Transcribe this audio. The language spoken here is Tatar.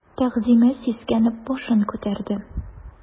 Тәгъзимә сискәнеп башын күтәрде.